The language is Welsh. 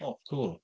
O cŵl.